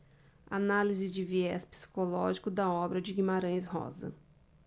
análise de viés psicológico da obra de guimarães rosa